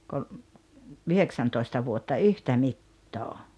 - yhdeksäntoista vuotta yhtä mittaa